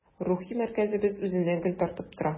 Рухи мәркәзебез үзенә гел тартып тора.